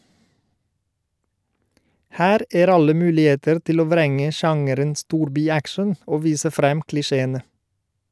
Her er alle muligheter til å vrenge sjangeren storby-action og vise frem klisjeene.